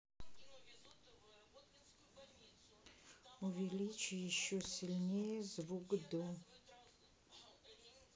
увеличь еще сильнее звук до